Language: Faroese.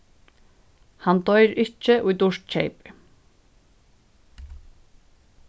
hann doyr ikki ið dýrt keypir